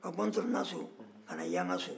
ka bɔ ntoranaso ka na yangaso